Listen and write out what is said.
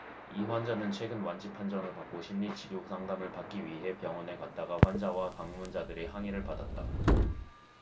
이 환자는 최근 완치 판정을 받고 심리 치료 상담을 받기 위해 병원에 갔다가 환자와 방문자들의 항의를 받았다